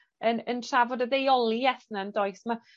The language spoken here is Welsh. yn yn trafod y deuolieth 'na'n does? Ma'...